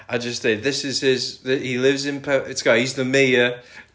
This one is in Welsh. a jyst deud "this is his... thi- he lives in Pe-" ti'n gwbod "he's the mayor"...